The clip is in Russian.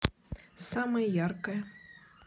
самое яркое